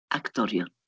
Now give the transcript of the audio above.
Actorion.